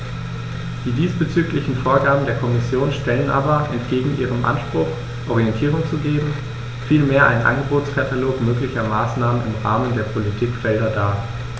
Die diesbezüglichen Vorgaben der Kommission stellen aber entgegen ihrem Anspruch, Orientierung zu geben, vielmehr einen Angebotskatalog möglicher Maßnahmen im Rahmen der Politikfelder dar.